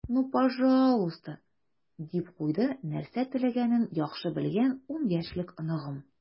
"ну пожалуйста," - дип куйды нәрсә теләгәнен яхшы белгән ун яшьлек оныгым.